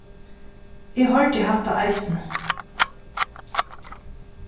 eg hoyrdi hatta eisini